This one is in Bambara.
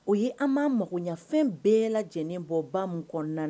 O ye an ma magoyafɛn bɛɛ la lajɛlen bɔ ba mun kɔnɔna na